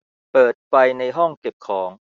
เปิดไฟในห้องเก็บของ